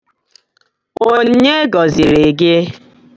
Onye gọziri gị?